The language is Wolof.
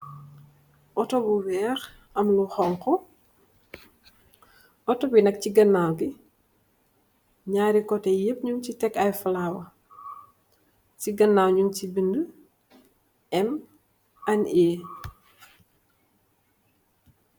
Otto bu wèèx am lu xonxu, Otto bi nak ci ganaw ngi ñaari koteh ñiñ ci tek ay fulawa ci ganaw ñiñ ci bindi M and E.